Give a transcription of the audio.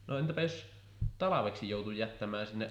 no entäpä jos talveksi joutui jättämään sinne